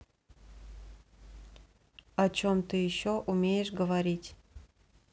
о чем ты еще умеешь говорить